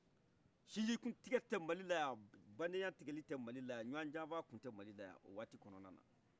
cinji tikɛ te malilayan badenya tikɛli tɛ malilayan ɲoi janfan tun tɛ mali layan o wati k